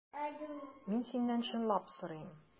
Мин синнән чынлап сорыйм.